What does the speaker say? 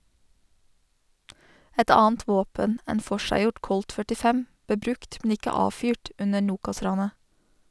Et annet våpen, en forseggjort colt 45, ble brukt, men ikke avfyrt, under Nokas-ranet.